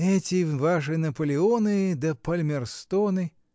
Эти ваши Наполеоны да Пальмерстоны.